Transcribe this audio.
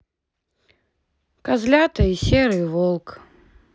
козлята и серый волк